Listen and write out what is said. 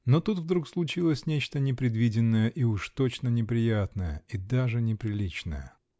Но тут вдруг случилось нечто непредвиденное и уж точно неприятное -- и даже неприличное!